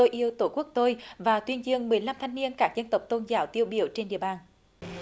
tôi yêu tổ quốc tôi và tuyên dương mười lăm thanh niên các dân tộc tôn giáo tiêu biểu trên địa bàn